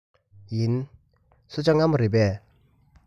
ཡིན གསོལ ཇ མངར མོ རེད པས